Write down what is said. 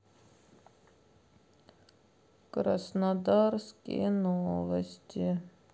краснодарские новости